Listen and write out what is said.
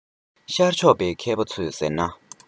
ཤར ཕྱོགས པའི མཁས པ ཚོས ཟེར ན